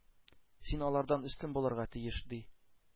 Син алардан өстен булырга тиеш!“ — ди.